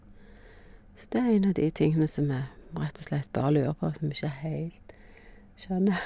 Så det er en av de tingene som vi vi rett og slett bare lurer på, som vi ikke heilt skjønner.